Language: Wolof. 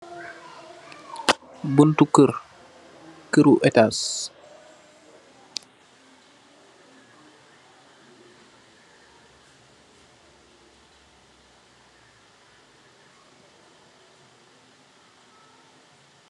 Buntu kér, kèrru ètas.